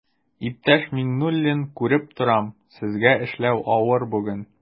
Иптәш Миңнуллин, күреп торам, сезгә эшләү авыр бүген.